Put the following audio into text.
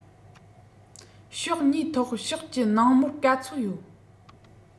ཕྱོགས གཉིས ཐོག ཕྱོགས ཀྱིས ནང མོལ ག ཚོད ཡོད